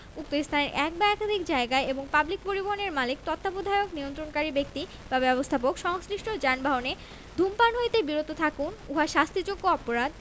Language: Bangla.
উক্ত স্থানের এক বা একাধিক জায়গায় এবং পাবলিক পরিবহণের মালিক তত্ত্বাবধায়ক নিয়ন্ত্রণকারী ব্যক্তি বা ব্যবস্থাপক সংশ্লিষ্ট যানবাহনে ধূমপান হইতে বিরত থাকুন উহা শাস্তিযোগ্য অপরাধ